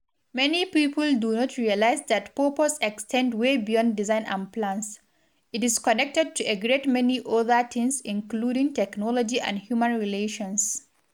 Many people do not realise that purpose extends way beyond design and plans — it is connected to a great many other things, including technology and human relationships.